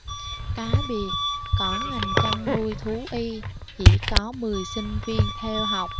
cá biệt có ngành chăn nuôi thú y chỉ có mười sinh viên theo học